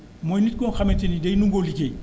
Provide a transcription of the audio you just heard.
mooy nit koo xamante ni day nangoo liggéey